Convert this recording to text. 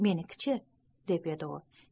meniki chi deb edi u